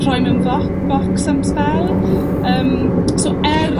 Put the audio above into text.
rhoi mew boc- bocs am sbel, yym so er...